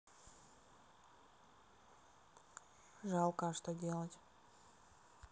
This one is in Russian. жалко а что мне делать